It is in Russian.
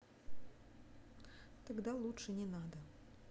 тогда лучше не надо